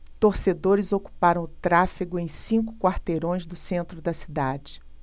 torcedores ocuparam o tráfego em cinco quarteirões do centro da cidade